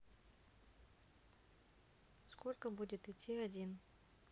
сколько будет идти один